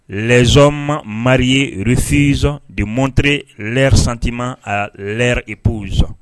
Zsono ma mari ye ursisizson demtree santiman a repson